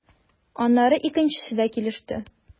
Аннары икенчесе дә килеште.